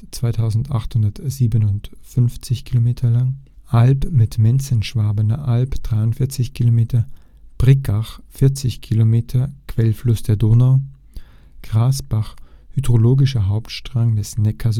2857 km) Alb (mit Menzenschwander Alb 43 km) Brigach (40 km), Quellfluss der Donau Glasbach, hydrologischer Hauptstrang des Neckar-Systems